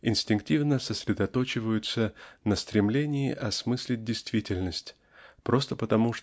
инстинктивно сосредоточиваются на стремлении осмыслить действительность просто потому